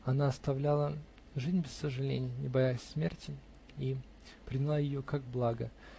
Она оставляла жизнь без сожаления, не боялась смерти и приняла ее как благо.